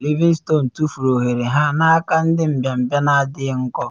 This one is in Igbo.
Livingston tufuru ohere ha n’aka ndị mbịambịa na adịghị nkọ